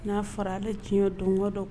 N'a fɔra ale tiɲɛ ye don dɔ